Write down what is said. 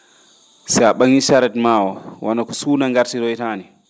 so a ?a?ii charette ma o wona ko suuna ngartiroyraa nin